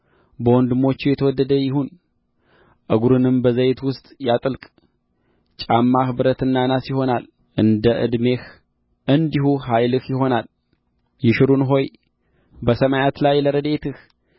በወንድሞቹ የተወደደ ይሁን እግሩንም በዘይት ውስጥ ያጥልቅ ጫማህ ብረትና ናስ ይሆናል እንደ ዕድሜህ እንዲሁ ኃይልህ ይሆናል ይሹሩን ሆይ በሰማያት ላይ ለረድኤትህ